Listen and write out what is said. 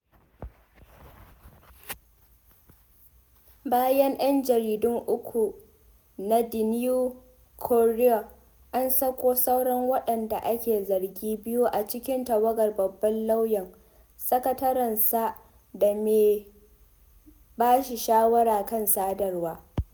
Bayan ‘yan jaridun uku na The New Courier, an sako sauran waɗanda ake zargi biyu a cikin tawagar babban lauyan (sakatarensa da mai ba shi shawara kan sadarwa).